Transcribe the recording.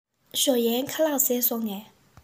ཞའོ གཡན ཁ ལག བཟས སོང ངས